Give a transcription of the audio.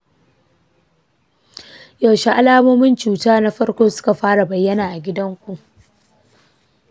yaushe alamomin cutar na farko suka fara bayyana a gidanku?